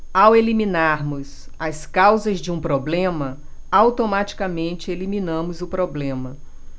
ao eliminarmos as causas de um problema automaticamente eliminamos o problema